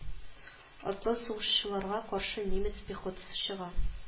Атлы сугышчыларга каршы немец пехотасы чыга